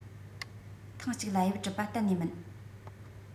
ཐེངས གཅིག ལ དབྱིབས གྲུབ པ གཏན ནས མིན